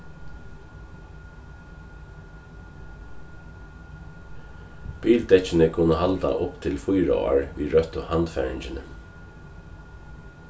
bildekkini kunnu halda upp til fýra ár við røttu handfaringini